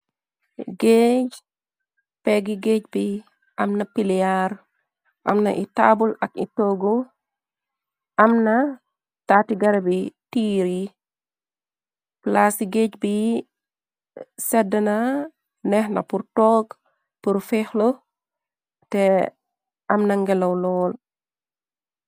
Géej peggi géej bi am na piliar amna i tabul ak itoogu am na taati garabi tiir yi plaas yi gaej bi sedde na neexna pur toog buru fexlo te amna ngelaw lool.